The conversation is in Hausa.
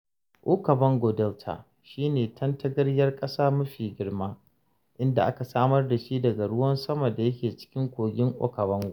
Okavango Delta shi ne tantagaryar ƙasa mafi girma, inda aka samar da shi daga ruwan saman da yake cika kogin Okavango.